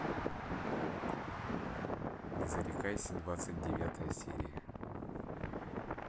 не зарекайся двадцать девятая серия